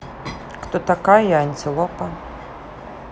кто такая антилопа